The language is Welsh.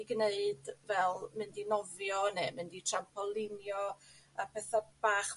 'u gneud fel mynd i nofio ne' mynd i trampolinio a petha bach